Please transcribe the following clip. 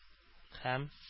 Һәм